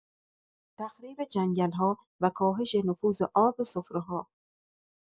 تخریب جنگل‌ها و کاهش نفوذ آب به سفره‌ها